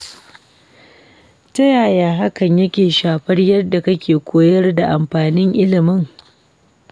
Ta yaya hakan yake shafar yadda kake koyar da fannin ilimin?